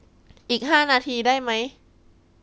อีกห้านาทีได้ไหม